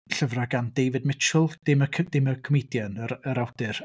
Llyfrau gan David Mitchell. Dim y c- dim y comedian yr yr awdur.